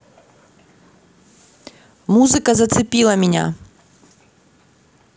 музыка зацепила меня